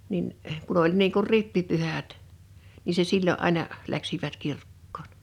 niin kun oli niin kuin rippipyhät niin se silloin aina lähtivät kirkkoon